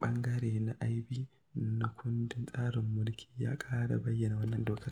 ɓangare na Iɓ na kundin tsarin mulki ya ƙara bayyana wannan dokar.